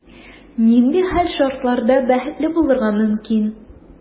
Нинди хәл-шартларда бәхетле булырга мөмкин?